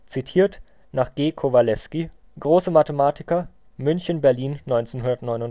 G. Kowalewski: Große Mathematiker, München-Berlin 1939